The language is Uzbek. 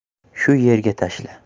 shu yerga tashla